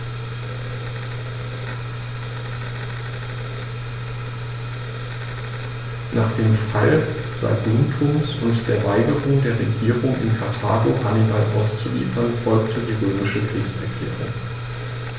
Nach dem Fall Saguntums und der Weigerung der Regierung in Karthago, Hannibal auszuliefern, folgte die römische Kriegserklärung.